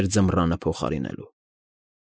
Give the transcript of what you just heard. Էր ձմռանը փոխարինելու։